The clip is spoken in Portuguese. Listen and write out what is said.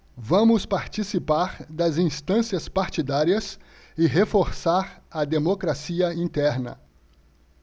vamos participar das instâncias partidárias e reforçar a democracia interna